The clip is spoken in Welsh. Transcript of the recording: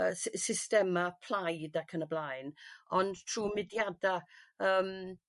y sy- systema plaid ac yn y blaen ond trw mudiadau yym.